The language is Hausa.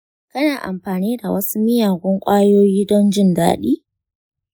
kana amfani da wasu miyagun kwayoyi don jin dadi?